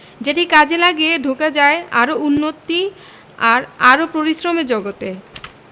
যেটি কাজে লাগিয়ে ঢোকা যায় আরও উন্নতি আর আরও পরিশ্রমের জগতে